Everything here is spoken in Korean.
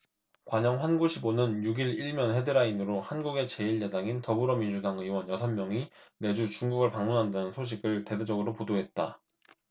관영 환구시보는 육 일 일 면 헤드라인으로 한국의 제 일 야당인 더불어민주당 의원 여섯 명이 내주 중국을 방문한다는 소식을 대대적으로 보도했다